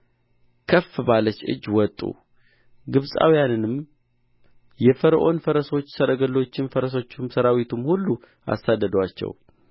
ከፍ ባለች እጅ ወጡ ግብፃውያንም የፈርዖን ፈረሶች ሰረገሎቹም ፈረሰኞቹም ሠራዊቱም ሁሉ አሳደዱአቸው